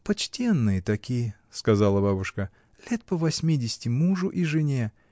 — Почтенные такие, — сказала бабушка, — лет по восьмидесяти мужу и жене.